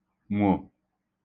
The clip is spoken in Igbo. nwò